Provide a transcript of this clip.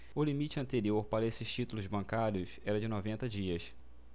o limite anterior para estes títulos bancários era de noventa dias